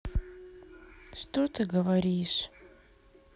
что ты говоришь